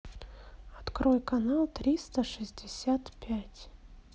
открой канал триста шестьдесят пять